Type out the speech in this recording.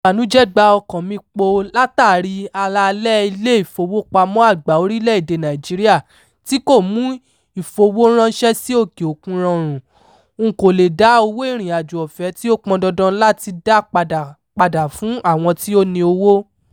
Ìbànújẹ́ gba ọkàn mi poo látàríi àlàálẹ̀ Ilé-Ìfowópamọ́ Àgbà orílẹ̀-èdè Nàìjíríà tí kò mú ìfowó ránṣẹ́ sí òkè òkun rọrùn; n kò le è dá owó ìrìnàjò ọ̀fẹ́ tí ó pọn dandan láti dá padà padà fún àwọn tí ó ni owó.